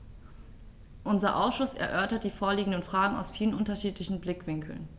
Unser Ausschuss erörtert die vorliegenden Fragen aus vielen unterschiedlichen Blickwinkeln.